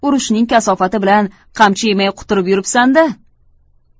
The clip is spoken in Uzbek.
urushning kasofati bilan qamchi yemay quturib yuribsan da